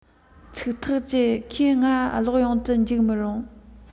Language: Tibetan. ཚིག ཐག བཅད ཁོས ང ལོག ཡོང དུ འཇུག མི རུང